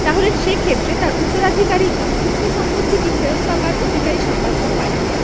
তাহলে সেক্ষেত্রে তার উত্তরাধিকারীগণ উক্ত সম্পত্তিটি ফেরত পাবার অধিকারী সাব্বাস্ত হয়